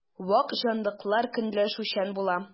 Вак җанлылар көнләшүчән була.